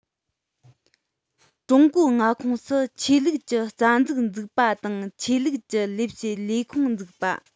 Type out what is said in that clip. ཀྲུང གོའི མངའ ཁོངས སུ ཆོས ལུགས ཀྱི རྩ འཛུགས འཛུགས པ དང ཆོས ལུགས ཀྱི ལས བྱེད ལས ཁུངས འཛུགས པ